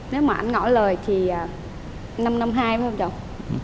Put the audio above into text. nếu mà anh ngỏ lời thì năm năm hai đúng không chồng